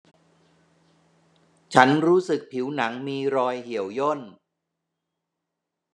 ฉันรู้สึกผิวหนังมีรอยเหี่ยวย่น